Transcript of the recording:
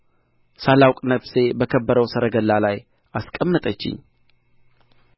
ሳላውቅ ነፍሴ በከበረው ሰረገላ ላይ አስቀመጠችኝ